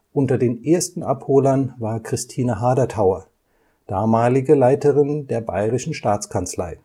Unter den ersten Abholern war Christine Haderthauer, damalige Leiterin der Bayerischen Staatskanzlei